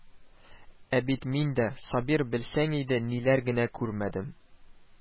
Ә бит мин дә, Сабир, белсәң иде, ниләр генә күрмәдем